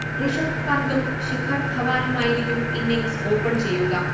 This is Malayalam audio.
ഋഷഭ് പന്തും ശിഖർ ധവാനുമായിരിക്കും ഇന്നിങ്സ് ഓപ്പൺ ചെയ്യുക